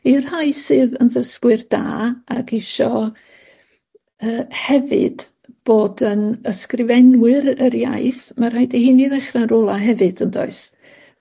I rhai sydd yn ddysgwyr da ac isio yy hefyd bod yn ysgrifenwyr yr iaith, ma' rhaid i rheiny ddechra'n rwla hefyd, yn does?